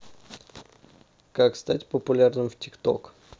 как стать популярным в тик ток